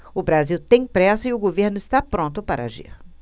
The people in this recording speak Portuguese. o brasil tem pressa e o governo está pronto para agir